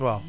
waaw